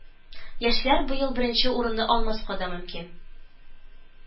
Яшьләр быел беренче урынны алмаска да мөмкин